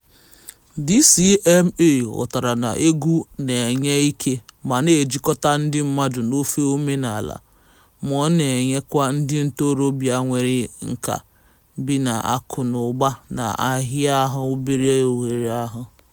DCMA ghọtara na egwu na-enye ike ma na-ejikọta ndị mmadụ n'ofe omenaala — ma ọ na-enyekwa ndị ntorobịa nwere nkà bi na akụ na ụba na-ahịahụ obere ohere ọrụ.